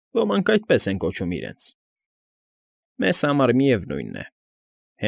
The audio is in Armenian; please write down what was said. Ոմանք այդպես են կոչում իրենց։ Մեզ համար միևնույն է։